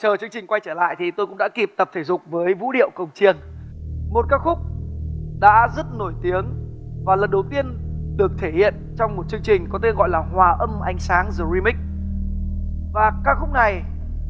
chờ chương trình quay trở lại thì tôi cũng đã kịp tập thể dục với vũ điệu cồng chiêng một ca khúc đã rất nổi tiếng và lần đầu tiên được thể hiện trong một chương trình có tên gọi là hòa âm ánh sáng dờ ri mích và ca khúc này